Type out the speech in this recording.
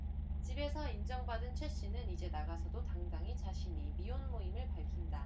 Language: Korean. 집에서 인정받은 최 씨는 이제 나가서도 당당히 자신이 미혼모임을 밝힌다